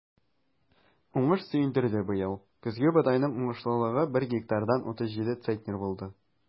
Уңыш сөендерде быел: көзге бодайның уңышлылыгы бер гектардан 37 центнер булды.